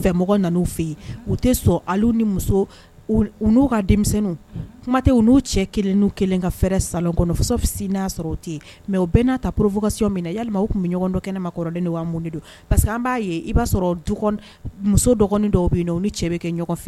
fɛmɔgɔ nan fɛ yen u tɛ sɔn hali ni muso u n'u ka denmisɛnninw kuma tɛ n'u cɛ kelen n'u kelen ka fɛɛrɛ sa kɔnɔ'a sɔrɔ o te yen mɛ u bɛɛ n'a ta porougkasi min na yalimaw tun bɛ ɲɔgɔn dɔ kɛnɛma kɔrɔlen' mun de don pa parce que an b'a ye i b'a sɔrɔ du muso dɔgɔnini dɔw bɛ yen ni cɛ bɛ kɛ ɲɔgɔn fɛ